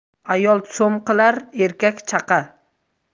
ayol so'm qilar erkak chaqa